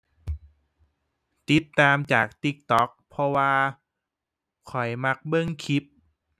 ติดตามจาก TikTok เพราะว่า ข้อยมักเบิ่งคลิป